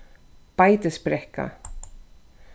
beitisbrekka